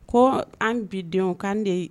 Ko an bi denw kan de